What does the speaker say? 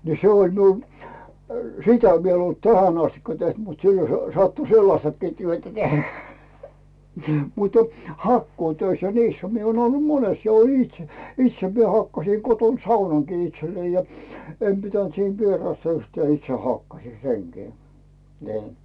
niin se oli minulla sitä vielä en ollut tähän asti tehnyt mutta silloin se sattui sellaistakin työtä tehdä mutta hakkuutöissä ja niissähän minä olen ollut monessa ja olin itse itse minä hakkasin kotona saunankin itselleni ja en pitänyt siinä vierasta yhtään itse hakkasin senkin niin